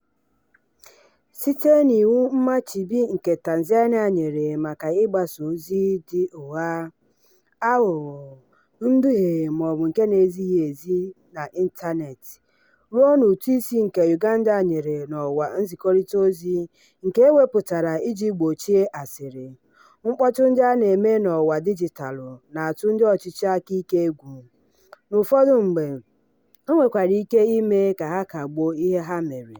Site n'iwu mmachibio nke Tanzania nyere maka ịgbasa ozi dị "ụgha, aghụghọ, nduhie maọbụ nke na-ezighị ezi" n'ịntaneetị ruo n'ụtụisi nke Uganda nyere n'ọwa nzikọrịta ozi nke e wepụtara iji gbochie "asịrị", mkpọtụ ndị a na-eme n'ọwa dijitalụ na-atụ ndị ọchịchị aka ike égwù. N'ụfọdụ mgbe, o nwekwara ike ime ka ha kagbuo ihe ha mere.